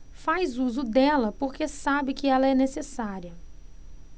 faz uso dela porque sabe que ela é necessária